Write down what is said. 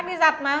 đi giặt mà